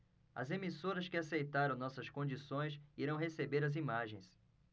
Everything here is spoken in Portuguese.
as emissoras que aceitaram nossas condições irão receber as imagens